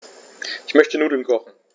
Ich möchte Nudeln kochen.